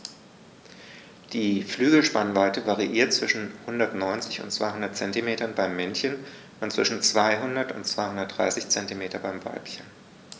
Die Flügelspannweite variiert zwischen 190 und 210 cm beim Männchen und zwischen 200 und 230 cm beim Weibchen.